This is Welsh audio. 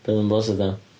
Be oedd o'n blasu fatha?